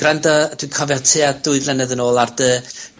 ...grand, dwi'n cofio tua dwy flynedd yn ôl ar dy